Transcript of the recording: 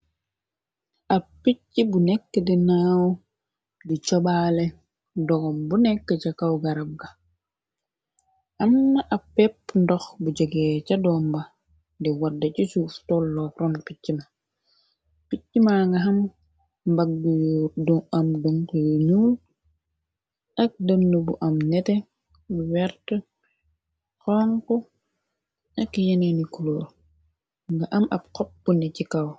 ab picc bu nekk dinaaw di cobaale doxom bu nekk ca kaw garab ga amna ab pépp ndox bu jëgee ca domba di wadda ci suuf tolloo ron picc na picc ma nga am mbagg yu am dun yu ñuul ak dënn bu am nete wert xonngo ak yenee ni kuloor mingi am ab xop bu ne ci kaw.